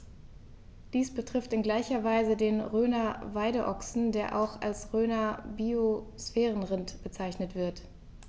Dies betrifft in gleicher Weise den Rhöner Weideochsen, der auch als Rhöner Biosphärenrind bezeichnet wird.